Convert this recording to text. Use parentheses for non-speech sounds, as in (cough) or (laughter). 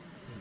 (hesitation) (hesitation)